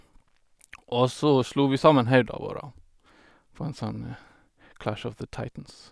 Og så slo vi sammen hodene våre på en sånn Clash of the Titans.